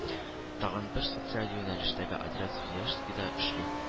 Тагын бер социаль юнәлештәге отряд Свияжскида эшли